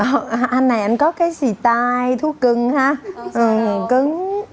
anh này anh có cái xì tai thú cưng há ừ cứng